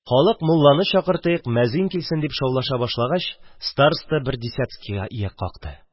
Халык: "Мулланы чакыртыйк! Мәзин дә килсен!" – дип шаулаша башлагач, староста бер десятскийга ияк какты.